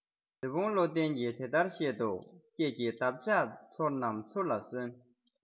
རི བོང བློ ལྡན གྱིས འདི ལྟར བཤད དོ ཀྱེ ཀྱེ འདབ ཆགས ཚོགས རྣམས ཚུར ལ གསོན